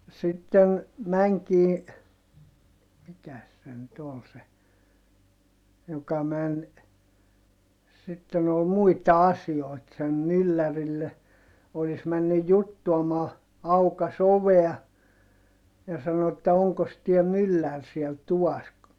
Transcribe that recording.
no sitten menikin mikäs se nyt oli se joka meni sitten oli muita asioita sen myllärille olisi mennyt juttuamaan aukaisi ovea ja sanoi että onkos tämä mylläri siellä tuvassa